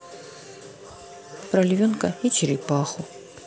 про львенка и черепаху